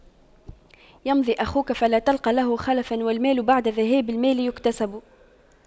يمضي أخوك فلا تلقى له خلفا والمال بعد ذهاب المال يكتسب